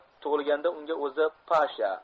tug'ilganda unga o'zi pasha